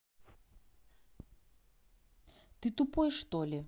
ты тупой что ли